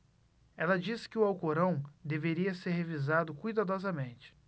ela disse que o alcorão deveria ser revisado cuidadosamente